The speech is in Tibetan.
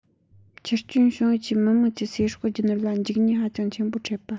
ཆུ སྐྱོན བྱུང ཡུལ གྱི མི དམངས ཀྱི ཚེ སྲོག རྒྱུ ནོར ལ འཇིགས ཉེན ཧ ཅང ཆེན པོ འཕྲད པ